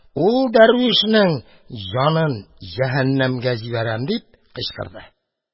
Ул дәрвишнең җанын җәһәннәмгә җибәрәм! – дип кычкырды.